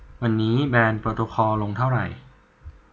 วันนี้แบรนด์โปรโตคอลลงเท่าไหร่